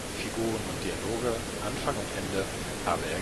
Figuren und Dialoge, Anfang und Ende habe